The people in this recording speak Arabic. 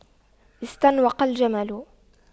استنوق الجمل